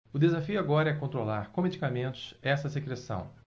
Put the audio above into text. o desafio agora é controlar com medicamentos essa secreção